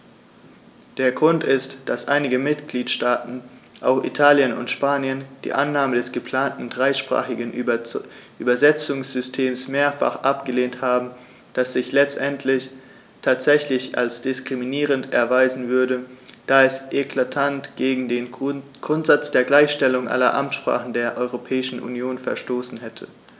Der Grund ist, dass einige Mitgliedstaaten - auch Italien und Spanien - die Annahme des geplanten dreisprachigen Übersetzungssystems mehrfach abgelehnt haben, das sich letztendlich tatsächlich als diskriminierend erweisen würde, da es eklatant gegen den Grundsatz der Gleichstellung aller Amtssprachen der Europäischen Union verstoßen hätte.